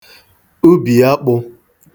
ubì akpụ̄